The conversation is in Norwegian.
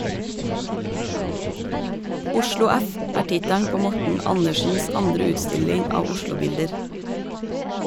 «Oslo F.» er tittelen på Morten Andersens andre utstilling av Oslo-bilder.